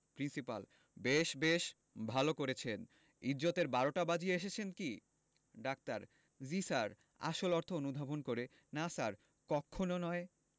principal বেশ বেশ ভালো করেছেন ইজ্জতের বারোটা বাজিয়ে এসেছেন কি ডাক্তার জ্বী স্যার আসল অর্থ অনুধাবন করে না স্যার কক্ষণো নয়